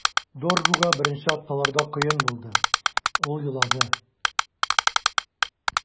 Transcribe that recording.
Доржуга беренче атналарда кыен булды, ул елады.